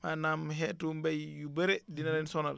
maanaam xeetu mbéy yu bëre dina leen sonal